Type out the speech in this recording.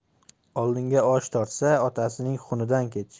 oldingga osh tortsa otasining xunidan kech